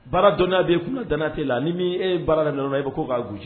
Baara dɔn de ye kunna dantɛ la ni min e baara la dɔrɔn i bɛ ko k'a guji